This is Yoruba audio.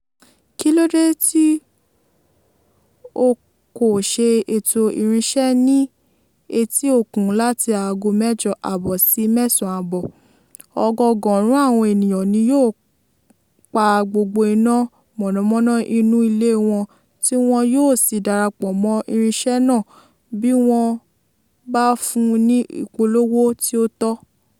Kílódé tí o kò ṣe ètò ìrìnsẹ̀ ní etí òkun láti aago mẹ́jọ àbọ̀ sí mẹ́sàn àbọ̀... Ọgọọgọ̀rùn àwọn ènìyàn ni yóò pa gbogbo iná mọ̀nàmọ́ná inú ilé wọn tí wọn yóò sì darapọ̀ mọ́ ìrìnsẹ̀ náà bí wọ́n bá fún un ní ìpolówó tí ó tó.